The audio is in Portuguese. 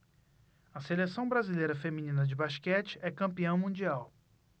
a seleção brasileira feminina de basquete é campeã mundial